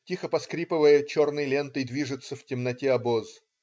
Тихо поскрипывая, черной лентой движется в темноте обоз.